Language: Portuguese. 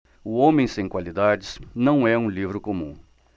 o homem sem qualidades não é um livro comum